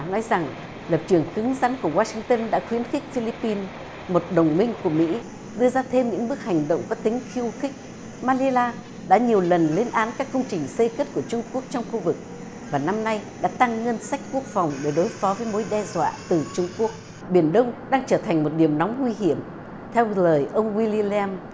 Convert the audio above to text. nói rằng lập trường cứng rắn của oa sinh tơn đã khuyến khích phi líp pin một đồng minh của mỹ đưa ra thêm những bước hành động có tính khiêu khích ma li na đã nhiều lần lên án các công trình xây cất của trung quốc trong khu vực và năm nay đã tăng ngân sách quốc phòng để đối phó với mối đe dọa từ trung quốc biển đông đang trở thành một điểm nóng nguy hiểm theo lời ông guy li lam